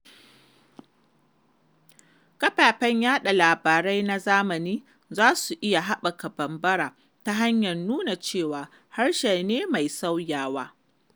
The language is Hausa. Kafafen yaɗa labarai na zamani za su iya haɓaka Bambara ta hanyar nuna cewa harshe ne mai sauyawa.